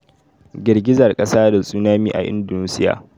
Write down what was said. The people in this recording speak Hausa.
Girgizar kasa da tsunami a Indonesia